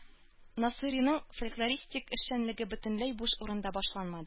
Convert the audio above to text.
Насыйриның фольклористик эшчәнлеге бөтенләй буш урында башланмады